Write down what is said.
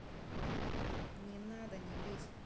не надо не лезь